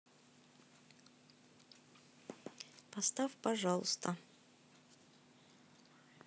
поставь пожалуйста